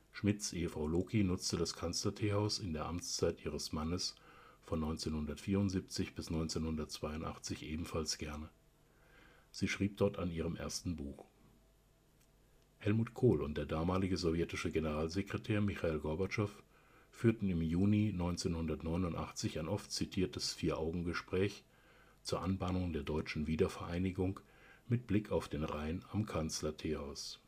Schmidts Ehefrau Loki nutzte das Kanzler-Teehaus in der Amtszeit ihres Mannes von 1974 bis 1982 ebenfalls gerne; sie schrieb dort an ihrem ersten Buch. Helmut Kohl und der damalige sowjetische Generalsekretär Michail Gorbatschow führten im Juni 1989 ein oft zitiertes Vier-Augen-Gespräch zur Anbahnung der Deutschen Wiedervereinigung mit Blick auf den Rhein am Kanzler-Teehaus